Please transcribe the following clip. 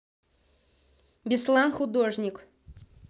беслан художник